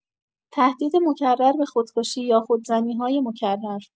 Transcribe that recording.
تهدید مکرر به خودکشی یا خودزنی‌های مکرر